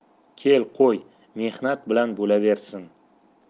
kel qo'y mehnat bilan bo'laversin